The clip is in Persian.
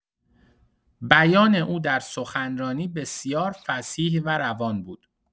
بیان او در سخنرانی بسیار فصیح و روان بود.